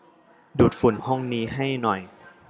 ดูดฝุ่นห้องนี้ให้หน่อย